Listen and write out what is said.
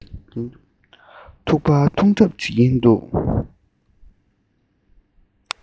ཙོག ནས ཐུག པ འཐུང གྲབས བྱེད ཀྱིན འདུག